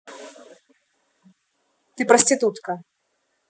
ты проститутка